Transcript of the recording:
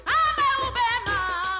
A bɛ mɔ bɛ ma